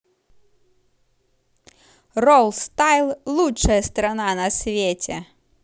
ролл стайл лучшая страна на свете